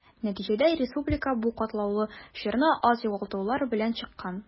Нәтиҗәдә республика бу катлаулы чорны аз югалтулар белән чыккан.